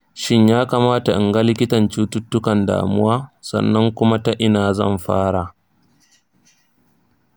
shin ya kamata in ga likitan cututtukan damuwa, sannan kuma ta ina zan fara?